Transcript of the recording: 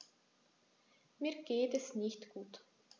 Mir geht es nicht gut.